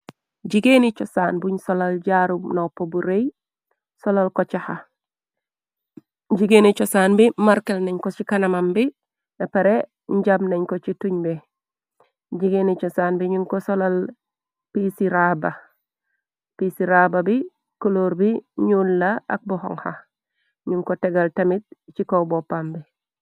Nicosan buñ solal jaaru nopp bu rëy, solal ko cixa. Jigeeni cosaan bi markal nañ ko ci kanamam bi, epare njam nañ ko ci tuñbe. jigeeni cosaan bi ñu ko solal pisiraaba bi, kloor bi ñuul la ak bu honha, ñun ko tegal tamit ci kow boppam bi.